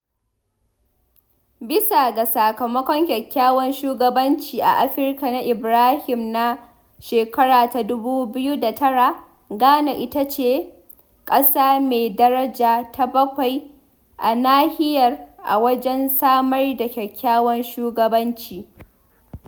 Bisa ga Sakamakon Kyakkyawan Shugabanci a Afirka na Ibrahim na 2009, Ghana ita ce ƙasa mai daraja ta bakwai a nahiyar a wajen samar da kyakkyawan shugabanci.